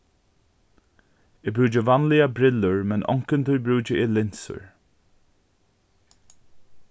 eg brúki vanliga brillur men onkuntíð brúki eg linsur